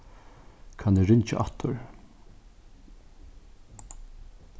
kann eg ringja aftur